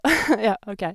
Ja, OK.